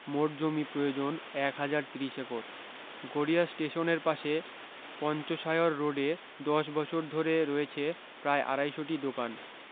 মোট জমি প্রয়োজন এক হাজার ত্রিশ একর গড়িয়া স্টেশনের পাশে পঞ্চশায়র রোডে দশ বছর ধরে রয়েছে প্রায় আড়াইশটি দোকান